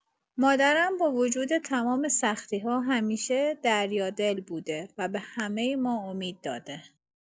مادرم با وجود تمام سختی‌ها همیشه دریادل بوده و به همه ما امید داده.